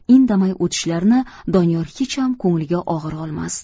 indamay o'tishlarini doniyor hecham ko'ngliga og'ir olmas